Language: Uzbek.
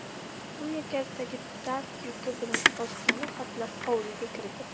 u yelkasidagi dard yuki bilan ostona hatlab hovliga kirdi